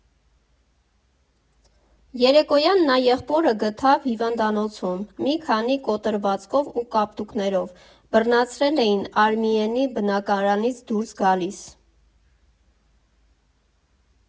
Երեկոյան նա եղբորը գտավ հիվանդանոցում՝ մի քանի կոտրվածքով ու կապտուկներով՝ բռնացրել էին Արմիենի բնակարանից դուրս գալիս։